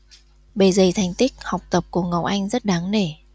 bề dày thành tích học tập của ngọc anh rất đáng nể